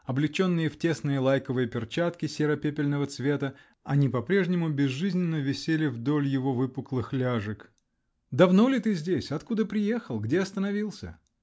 облеченные в тесные лайковые перчатки серо-пепельного цвета, они по-прежнему безжизненно висели вдоль его выпуклых ляжек. -- Давно ли ты здесь? Откуда приехал? Где остановился?